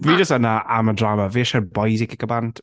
Fi jyst yna am y drama. Fi isie'r bois i gicio bant.